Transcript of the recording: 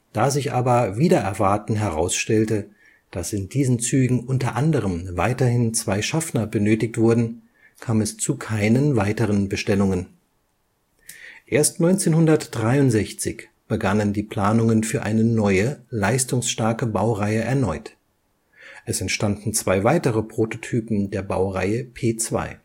Da sich aber wider Erwarten herausstellte, dass in diesen Zügen unter anderem weiterhin zwei Schaffner benötigt wurden, kam es zu keinen weiteren Bestellungen. Erst 1963 begannen die Planungen für eine neue leistungsstarke Baureihe erneut. Es entstanden zwei weitere Prototypen der Baureihe P2